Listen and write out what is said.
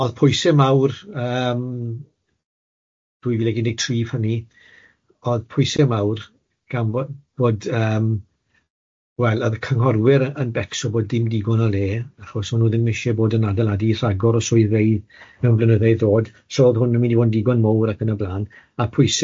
O'dd pwyse mawr yym dwy fil ag un deg tri ffor 'ny, o'dd pwyse mawr gan bo- bod yym wel o'dd y cynghorwyr yn becso bod dim digon o le achos o'n n'w ddim isie bod yn adeiladu rhagor o swyddfeydd mewn blynydde i ddod, so o'dd hwn yn mynd i fod yn digon mowr ac yn y blan, a pwyse o'dd i neud e'n fwy ar y pryd.